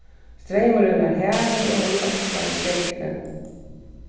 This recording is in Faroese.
streymurin var harður og hann øtlaði sjógvin